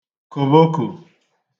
kòboko